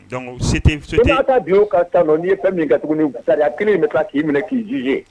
Dɔnkuc sit' taa don k' ta dɔn n'i ye fɛn min ka tuguni sariyaya kelen in bɛ k'i minɛ k'i jii ye